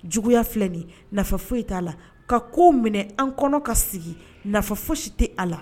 Juguya filɛ nin ye, nafa foyi t'a la, ka ko minɛ an kɔnɔ ka sigi, nafa fosi tɛ a la